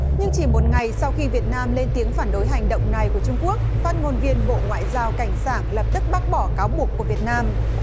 nhưng chỉ một ngày sau khi việt nam lên tiếng phản đối hành động này của trung quốc phát ngôn viên bộ ngoại giao cảnh sảng lập tức bác bỏ cáo buộc của việt nam